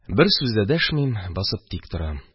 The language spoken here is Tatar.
Бер сүз дә дәшмим, басып тик торам.